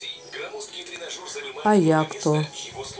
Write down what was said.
а я кто